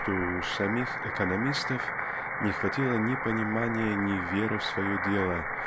чем у самих "экономистов" не хватило ни понимания ни веры в свое дело